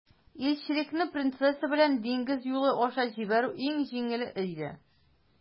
Илчелекне принцесса белән диңгез юлы аша җибәрү иң җиңеле иде.